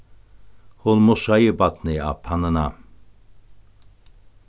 hon mussaði barnið á pannuna